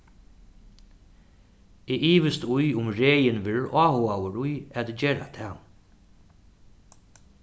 eg ivist í um regin verður áhugaður í at gera tað